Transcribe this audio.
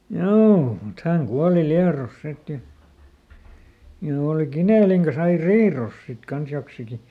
joo mutta hän kuoli Liedossa sitten ja ja oli Kinelin kanssa aina riidoissa sitten kanssa joksikin